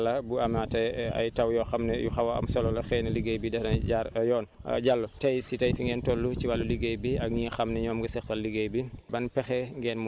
yaakaar nañ incha allah bu amaatee ay taw yoo xam ne yu xaw a am solo la xëy na liggéey bi dana jaar yoon Diallo tey si tey fi ngeen toll ci wàllu liggéey bi ak ñi nga xam ne ñoom nga seqal liggéey bi